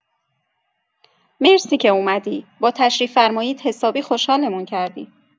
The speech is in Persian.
مرسی که اومدی، با تشریف‌فرماییت حسابی خوشحالمون کردی!